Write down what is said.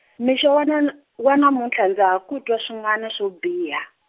mixo wa na na, wa namutlha ndza ha ku twa swin'wana swo biha.